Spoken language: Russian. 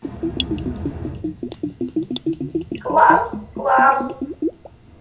класс класс